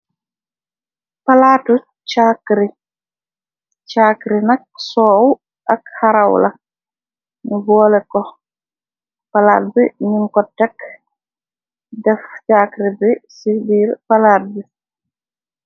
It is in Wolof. Palaatu caakrinak soowu ak xarawla, nu boole ko, palaat bi nim ko tekk, def jaakri bi ci biir palaat bi.